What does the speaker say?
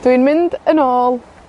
Dwi'n mynd yn ôl